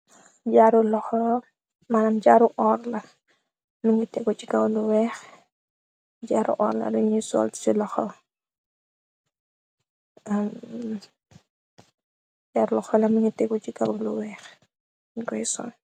Jaaru laho, manam jaaru orr la. Mungi tegu ci kaw lu weex, jaaru orr la luñuy sol ci loxo la mi ngi tegu ci kaw lu weex nyu koiy sol.